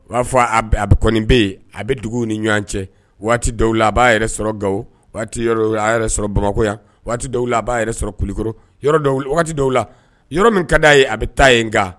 U b'a fɔ a a kɔni bɛ yen, a bɛ dugu ni ɲɔgɔn cɛ waati dɔw la a b'a yɛrɛ sɔrɔ Gaw, a b' a yɛrɛ sɔrɔ Bamakɔ yan, waati dɔw la a b'a yɛrɛ sɔrɔ kulukɔrɔ, yɔrɔ min waati dɔw la, yɔrɔ min ka d'a ye, a bɛ taa yen nka